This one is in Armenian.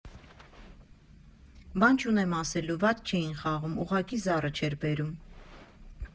Բան չունեմ ասելու՝ վատ չէին խաղում, ուղղակի զառը չէր բերում։